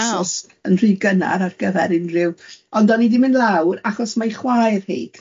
o'n i'n wythnos yn rhy gynnar ar gyfer unrhyw, ond o'n i di mynd lawr, achos ma'i chwaer hi,